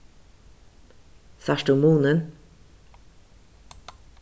sært tú munin